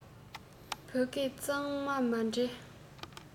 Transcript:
བོད སྐད གཙང མ མ བྲལ